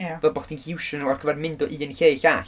Ie... Fel bod chdi'n gallu iwsio nhw ar gyfer mynd o un lle i llall.